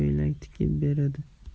menga ko'ylak tikib beradi